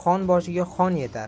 xon boshiga xon yetar